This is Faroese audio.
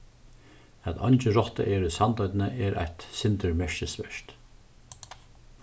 at eingin rotta er í sandoynni er eitt sindur merkisvert